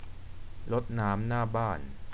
รดน้ำหน้าบ้าน